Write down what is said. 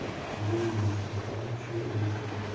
bugun bo'lsa ham shu o'lim